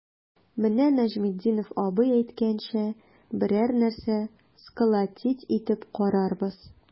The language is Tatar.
Менә Нәҗметдинов абый әйткәнчә, берәр нәрсә сколотить итеп карарбыз.